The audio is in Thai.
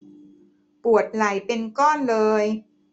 ปวดไหล่เป็นก้อนเลย